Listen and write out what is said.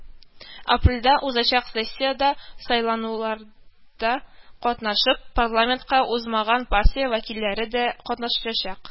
Апрельдә узачак сессиядә, сайлауларда катнашып, парламентка узмаган партия вәкилләре дә катнашачак